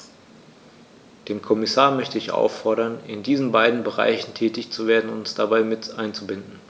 Den Kommissar möchte ich auffordern, in diesen beiden Bereichen tätig zu werden und uns dabei mit einzubinden.